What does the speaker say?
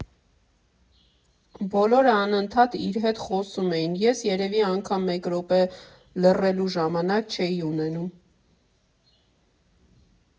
Բոլորը անընդհատ իր հետ խոսում էին, ես երևի անգամ մեկ րոպե լռելու ժամանակ չէի ունենում։